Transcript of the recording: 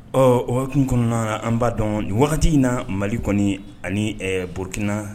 Ɔ o kɔnɔna an b'a dɔn wagati in na mali kɔni ani borokina